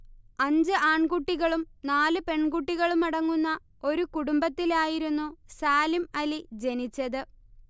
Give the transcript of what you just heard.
അഞ്ച് ആൺകുട്ടികളും നാല് പെൺകുട്ടികളും അടങ്ങുന്ന ഒരു കുടുംബത്തിൽ ആയിരുന്നു സാലിം അലി ജനിച്ചത്